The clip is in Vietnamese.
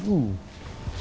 hưm